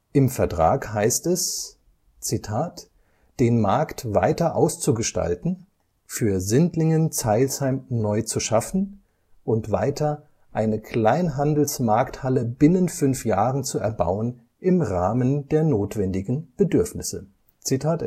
Im Vertrag heißt es „ den Markt weiter auszugestalten, für Sindlingen-Zeilsheim neu zu schaffen “und weiter „ eine Kleinhandelsmarkthalle binnen 5 Jahren zu erbauen im Rahmen der notwendigen Bedürfnisse “. Der